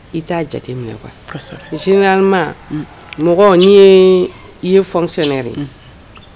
I ta jate minɛ kuwa sinima mɔgɔ n'i i ye f sɛnɛɛrɛ